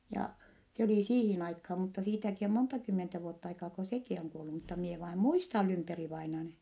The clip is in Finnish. ja se oli siihen aikaa mutta siitäkin on monta kymmentä vuotta aikaa kun sekin on kuollut mutta minä vain muistan Lymperi-vainajan